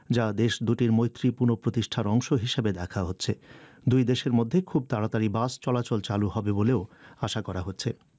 যা দেশ দুটির মৈত্রী পুনঃপ্রতিষ্ঠার অংশ হিসেবে দেখা হচ্ছে দুই দেশের মধ্যে খুব তাড়াতাড়ি বাস চলাচল চালু হবে বলেও আশা করা হচ্ছে